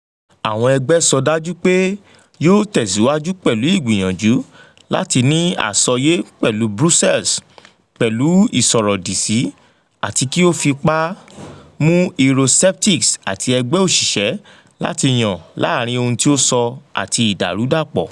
Àwọn ẹgbẹ́ sọ dájú pé yóò tẹ̀síwájú pẹ̀lú ìgbìyànjú láti ní àsọyé pẹ̀lú Brussels pẹ̀lu isọrọdisi - ati ki o fi ipa mu Eurosceptics ati Ẹgbẹ oṣiṣẹ lati yan laarin ohun ti o sọ ati 'Idarudapọ'